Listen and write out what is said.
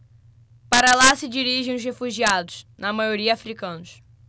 para lá se dirigem os refugiados na maioria hútus